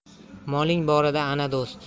moling borida ana do'st